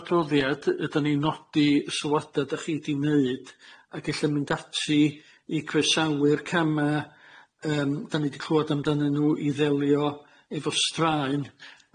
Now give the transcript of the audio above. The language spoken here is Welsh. adroddiad, ydan ni'n nodi sylwada' dach chi di neud a ella mynd ati i croesawu'r cama' yym dan ni di clwad amdanyn nw i ddelio efo straen,